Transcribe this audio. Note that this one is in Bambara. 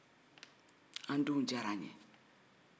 an denw diyara an ye